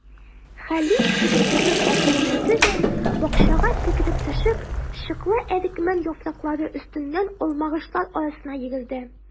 Хәлим, себеркесен атып бәрде дә, бакчага сикереп төшеп, чыклы әрекмән яфраклары өстеннән алмагачлар арасына йөгерде.